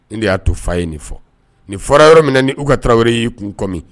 Ne de y'a to fa ye nin fɔ nin fɔra yɔrɔ min na ni u ka tarawele wɛrɛ y'i kun kɔmi